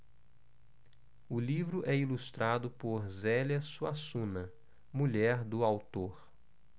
o livro é ilustrado por zélia suassuna mulher do autor